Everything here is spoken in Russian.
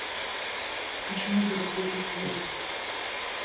почему ты такой тупой